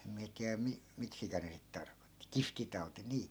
en minä tiedä - miksikä ne sitten tarkoitti kihtitauti niin